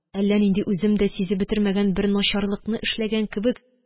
Әллә нинди үзем дә сизеп бетермәгән бер начарлыкны эшләгән кебек